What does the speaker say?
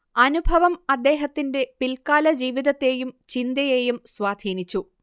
അനുഭവം അദ്ദേഹത്തിന്റെ പിൽക്കാലജീവിതത്തേയും ചിന്തയേയും സ്വാധീനിച്ചു